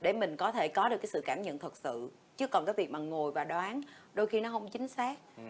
để mình có thể có được cái sự cảm nhận thật sự chứ còn cái việc ngồi và đoán đôi khi nó không chính xác